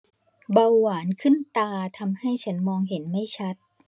เบาหวานขึ้นตาทำให้ฉันมองเห็นไม่ชัด